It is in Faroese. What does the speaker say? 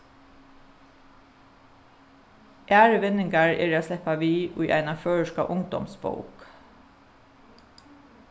aðrir vinningar eru at sleppa við í eina føroyska ungdómsbók